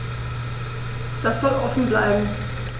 Das soll offen bleiben.